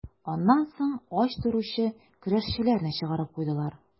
Аннан соң ач торучы көрәшчеләрне чыгарып куйдылар.